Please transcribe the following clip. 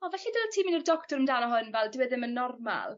o felly dyle ti myn' i'r doctor amdano hwn fel dyw e ddim yn normal.